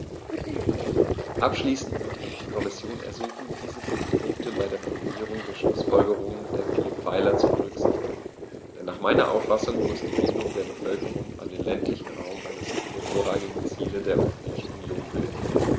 Abschließend möchte ich die Kommission ersuchen, diese fünf Punkte bei der Formulierung der Schlußfolgerungen der vier Pfeiler zu berücksichtigen, denn nach meiner Auffassung muss die Bindung der Bevölkerung an den ländlichen Raum eines der vorrangigen Ziele der Europäischen Union bilden.